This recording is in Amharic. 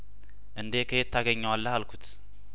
እንዴ ከየት ታገኘ ዋለህ አልኩት